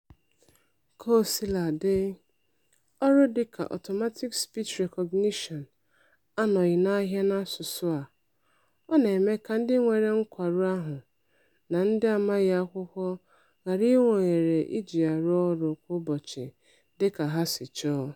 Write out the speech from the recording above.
Kaosiladị, ọrụ dịka Automatic Speech Recognition (ASR) anọghị n'ahịa n'asụsụ a. Ọ na-eme ka ndị nwere nkwarụ ahụ na ndị amaghị akwụkwọ ghara inwe ohere iji ya rụọ ọrụ kwa ụbọchị dịka ha si chọọ.